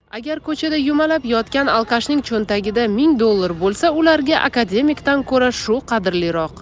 agar ko'chada yumalab yotgan alkashning cho'ntagida ming dollar bo'lsa ularga akademikdan ko'ra shu qadrliroq